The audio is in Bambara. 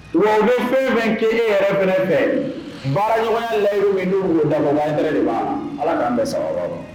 Mais bɛ fɛn bɛ kɛ yɛrɛ kɛrɛfɛ fɛ baaraya layi min dama yɛrɛ deba ala k'an bɛ saba